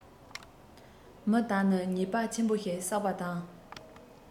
མི དག ནི ཉེས པ ཆེན པོ ཞིག བསགས པ དང